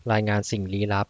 รายงานสิ่งลี้ลับ